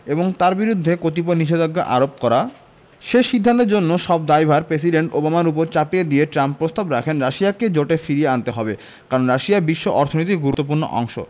এবং তার বিরুদ্ধে কতিপয় নিষেধাজ্ঞা আরোপ করা সে সিদ্ধান্তের জন্য সব দায়ভার প্রেসিডেন্ট ওবামার ওপর চাপিয়ে দিয়ে ট্রাম্প প্রস্তাব রাখেন রাশিয়াকে জোটে ফিরিয়ে আনতে হবে কারণ রাশিয়া বিশ্ব অর্থনীতির গুরুত্বপূর্ণ অংশ